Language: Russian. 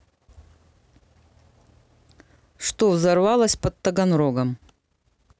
что взорвалось под таганрогом